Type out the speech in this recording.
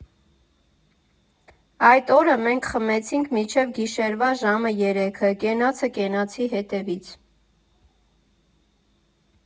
Այդ օրը մենք խմեցինք մինչև գիշերվա ժամը երեքը, կենացը կենացի հետևից։